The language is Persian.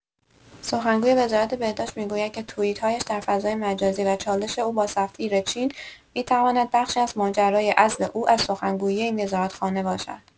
سخنگوی وزارت بهداشت می‌گوید که توییت‌هایش در فضای مجازی و چالش او با سفیر چین می‌تواند بخشی از ماجرای عزل او از سخنگویی این وزارتخانه باشد.